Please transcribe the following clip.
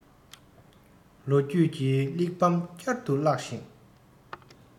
ལོ རྒྱུས ཀྱི གླེགས བམ བསྐྱར དུ བཀླགས ཤིང